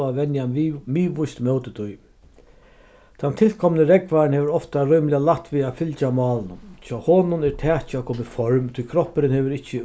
og at venja miðvíst ímóti tí tann tilkomni rógvarin hevur ofta rímiliga lætt við at fylgja málinum hjá honum er takið at koma í form tí kroppurin hevur ikki